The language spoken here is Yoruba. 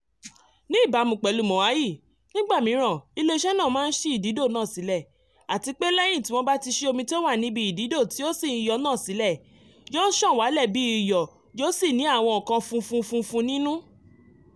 Ní ìbámu pẹ̀lú Moahl, nígbà míràn ilé iṣẹ́ náà máa ń sí ìdídò náà sílẹ̀, àtipé lẹ́yìn tí wọ́n bá ti ṣí omi tí ó wà níbi ìdídò tí ó ń yọ̀ náà sílẹ̀, yóò ṣàn wálẹ̀ bíi iyọ̀ yóò sì ní àwọn nǹkan funfun funfun nínú.